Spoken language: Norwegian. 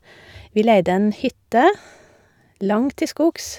Vi leide en hytte langt til skogs.